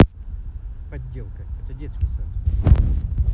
подделка это детский сад